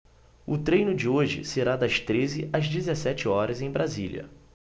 o treino de hoje será das treze às dezessete horas em brasília